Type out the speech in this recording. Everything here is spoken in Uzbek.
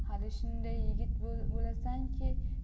hali shundoq yigit bo'lasanki